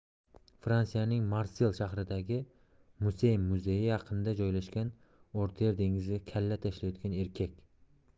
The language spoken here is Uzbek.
fransiyaning marsel shahridagi mucem muzeyi yaqinida joylashgan o'rtayer dengiziga kalla tashlayotgan erkak